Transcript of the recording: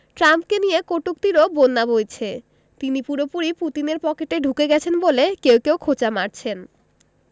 ট্রাম্পকে নিয়ে কটূক্তিরও বন্যা বইছে তিনি পুরোপুরি পুতিনের পকেটে ঢুকে গেছেন বলে কেউ কেউ খোঁচা মারছেন